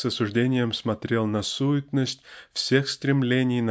с осуждением смотрел на суетность всех стремлений